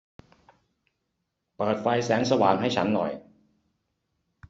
เปิดไฟแสงสว่างให้ฉันหน่อย